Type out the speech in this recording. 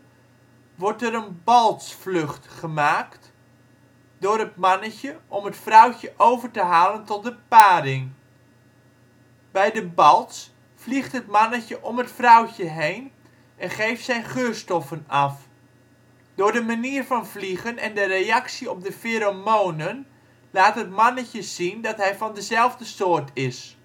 wordt er een baltsvlucht gemaakt door het mannetje om het vrouwtje over te halen tot de paring. Bij de balts vliegt het mannetje om het vrouwtje heen en geeft zijn geurstoffen af. Door de manier van vliegen en de reactie op de feromonen laat het mannetje zien dat hij van dezelfde soort is